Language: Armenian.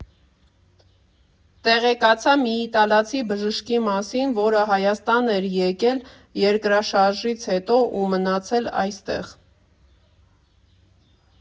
Տեղեկացա մի իտալացի բժշկի մասին, որը Հայաստան էր եկել երկրաշարժից հետո ու մնացել այստեղ։